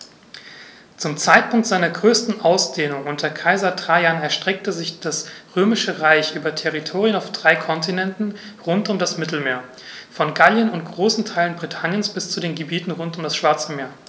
Zum Zeitpunkt seiner größten Ausdehnung unter Kaiser Trajan erstreckte sich das Römische Reich über Territorien auf drei Kontinenten rund um das Mittelmeer: Von Gallien und großen Teilen Britanniens bis zu den Gebieten rund um das Schwarze Meer.